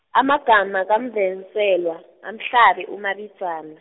amagama kaMvenselwa, amhlabe uMabinzana.